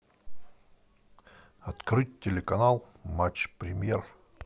открыть телеканал матч премьер